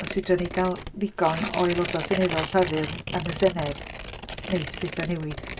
Os fedrwn ni gael ddigon o aelodau seneddol Llafur yn y Senedd, wneith pethau newid.